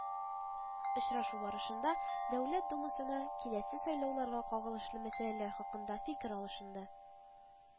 Очрашу барышында Дәүләт Думасына киләсе сайлауларга кагылышлы мәсьәләләр хакында фикер алышынды